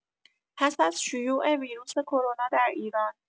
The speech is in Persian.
پس از شیوع ویروس کرونا در ایران